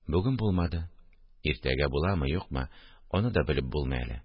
– бүген булмады, иртәгә буламы-юкмы, аны да белеп булмый әле